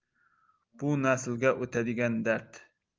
bu naslga o'tadigan dard